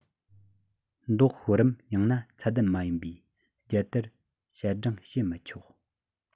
མདོག ཤོར རམ ཡང ན ཚད ལྡན མ ཡིན པའི རྒྱལ དར འཕྱར སྒྲེང བྱེད མི ཆོག